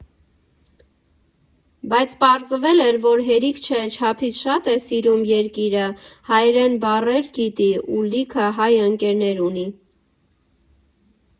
Բայց պարզվել էր, որ հերիք չէ չափից շատ է սիրում երկիրը, հայերեն բառեր գիտի ու լիքը հայ ընկերներ ունի։